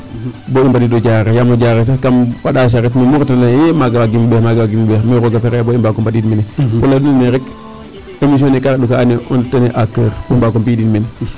Bo i mbadiid o Diarekh kam xota a sareet me mu xotoona maaga waagiim o ɓeer maaga i mbexeya fexey bo waago mbadiidooyo mene pour laya dene rek emission ne kaa ref kaa andoona yee on tenais a coeur bo i mbaago mbi'idin mene.